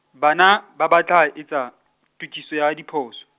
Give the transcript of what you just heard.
bana ba ba tla etsa , tokiso ya diphoso.